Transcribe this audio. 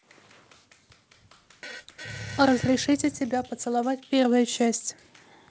разрешите тебя поцеловать первая часть